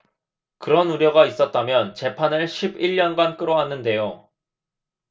그런 우려가 있었다면 재판을 십 일 년간 끌어왔는데요